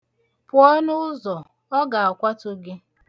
Pụọ n'ụzọ. ọ ga-akwatu gị.